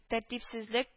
Тәртипсезлек